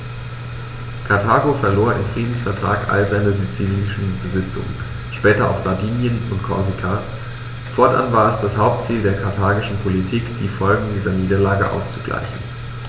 Karthago verlor im Friedensvertrag alle seine sizilischen Besitzungen (später auch Sardinien und Korsika); fortan war es das Hauptziel der karthagischen Politik, die Folgen dieser Niederlage auszugleichen.